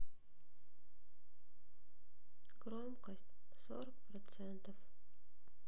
громкость сорок процентов